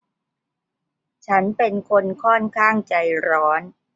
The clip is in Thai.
ฉันเป็นคนข้อนข้างใจร้อน